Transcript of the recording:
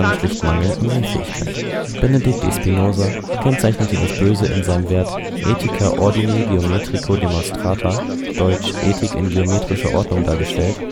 schlicht Mangel an Sehfähigkeit. Benedict de Spinoza kennzeichnete das Böse in seinem Werk Ethica ordine geometrico demonstrata (deutsch: „ Ethik in geometrischer Ordnung dargestellt